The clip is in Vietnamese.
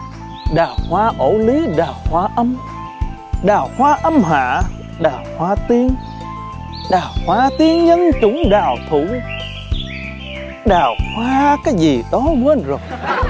đào hoa ổ lý đào hoa âm đào hoa âm hạ đào hoa tiên đào hoa tiên nhân chủng đào thủ đào hoa cái gì đó quên rồi